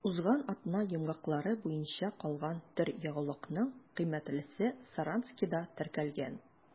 Узган атна йомгаклары буенча калган төр ягулыкның кыйммәтлесе Саранскида теркәлгән.